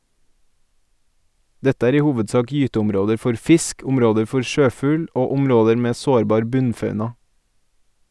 Dette er i hovedsak gyteområder for fisk, områder for sjøfugl og områder med sårbar bunnfauna.